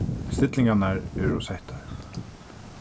stillingarnar eru settar